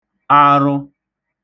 arụ